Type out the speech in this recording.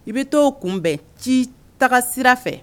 I bɛ to o kunbɛn ci taga sira fɛ